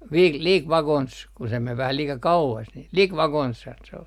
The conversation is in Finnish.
- liki vakonsa kun se meni vähän liika kauas niin liki vakonsahan se oli